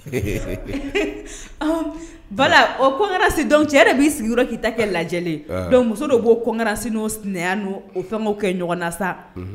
Bala o kokara sen cɛ yɛrɛ b'i sigiyɔrɔ k'ita kɛ lajɛ muso de b'o kokarara sen n'o o fɛn kɛ ɲɔgɔn na sa